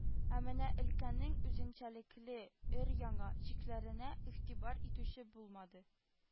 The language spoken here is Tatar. Ә менә өлкәнең ҮЗЕНЧӘЛЕКЛЕ өр- яңа чикләренә игътибар итүче булмады